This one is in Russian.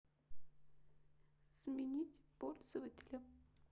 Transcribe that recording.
сменить пользователя